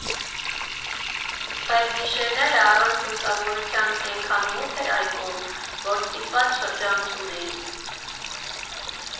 Բայց գիշերները առանց լուսավորության էնքան մութ էր այգում, որ ստիպված շրջանցում էի։